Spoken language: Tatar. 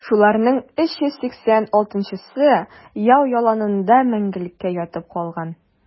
Шуларның 386-сы яу яланында мәңгелеккә ятып калган.